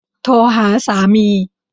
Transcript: โทรหาสามี